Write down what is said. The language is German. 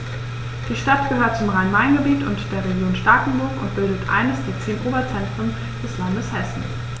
Die Stadt gehört zum Rhein-Main-Gebiet und der Region Starkenburg und bildet eines der zehn Oberzentren des Landes Hessen.